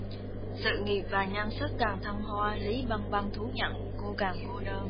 sự nghiệp và nhan sắc càng thăng hoa lý băng băng thú nhận cô càng cô đơn